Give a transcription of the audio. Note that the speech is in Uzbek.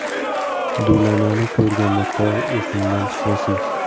do'lanani ko'rganda tog' esingdan chiqmasin